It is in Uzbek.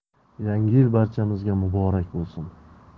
yangi yil barchamizga muborak bo'lsin